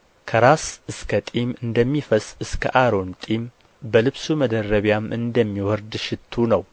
ከራስ እስከ ጢም እንደሚፈስስ እስከ አሮን ጢም በልብሱ መደረቢያ እንደሚወርድ ሽቱ ነው